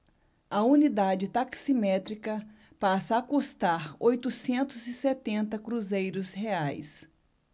a unidade taximétrica passa a custar oitocentos e setenta cruzeiros reais